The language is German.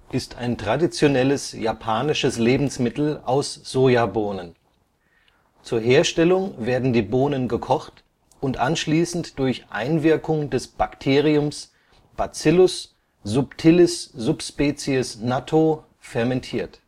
ist ein traditionelles japanisches Lebensmittel aus Sojabohnen. Zur Herstellung werden die Bohnen gekocht und anschließend durch Einwirkung des Bakteriums Bacillus subtilis ssp. natto fermentiert